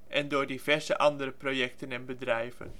en door diverse andere projecten en bedrijven